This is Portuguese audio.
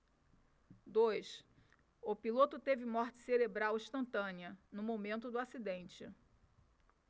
dois o piloto teve morte cerebral instantânea no momento do acidente